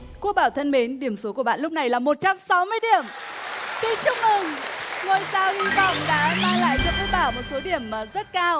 quốc bảo thân mến điểm số của bạn lúc này là một trăm sáu mươi điểm xin chúc mừng ngôi sao hi vọng đã mang lại cho quốc bảo một số điểm là rất cao